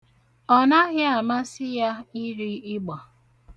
Ọ naghị amasị ya iri ịgba.